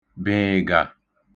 bị̀ị̀gà